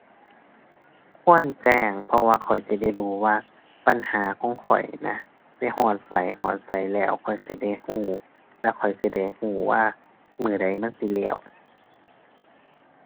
ควรแจ้ง เพราะว่าข้อยสิได้รู้ว่าปัญหาของข้อยน่ะ ไปฮอดไส ฮอดไสแล้ว ข้อยสิได้รู้ และข้อยสิได้รู้ว่ามื้อใดมันสิแล้ว